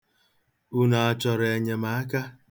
Unu achọrọ enyemaka?